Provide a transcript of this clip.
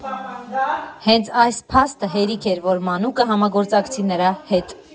Հենց այս փաստը հերիք էր, որ Մանուկը համագործակցի նրա հետ։